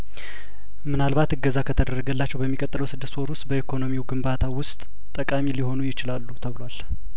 ምናልባት እገዛ ከተደረገላቸው በሚቀጥለው ስድስት ወር ውስጥ በኢኮኖሚው ግንባታው ውስጥ ጠቃሚ ሊሆኑ ይችላሉ ተብሏል